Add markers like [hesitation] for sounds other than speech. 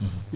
[hesitation] [hesitation]